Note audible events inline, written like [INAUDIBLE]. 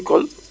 [HESITATION] [HESITATION]